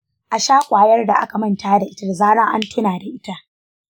a sha ƙwayar da aka manta da ita da zarar an tuna da ita.